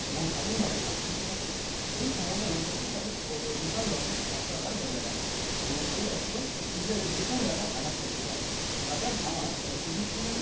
এবং স্বাধীনভাবে কাজ করতে সক্ষম এই সংগঠনের শক্তিশালী ও বিশাল রকেট অস্ত্রাগার বজায় রাখে এবং এই অস্ত্র ইসরায়েলের যেকোনো জায়গায় আঘাত করতে পারে গাজার হামাস ও ফিলিস্তিনের